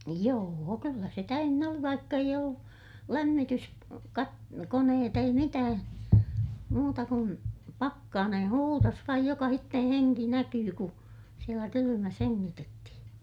joo kyllä se täynnä oli vaikka ei ollut -- lämmityskoneet ei mitään muuta kuin pakkanen huurusi vain jokaisen henki näkyi kun siellä kylmässä hengitettiin